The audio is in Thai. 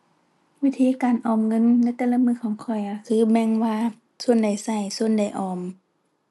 วิธีการออมเงินในแต่ละมื้อของข้อยอะ คือแบ่งว่าส่วนใดใช้ ส่วนใดออม